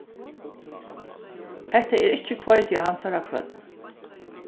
hatta er ikki hveiti á hansara kvørn